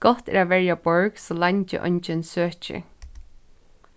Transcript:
gott er at verja borg so leingi eingin søkir